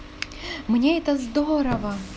мне это здорово